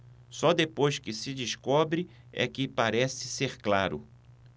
só depois que se descobre é que parece ser claro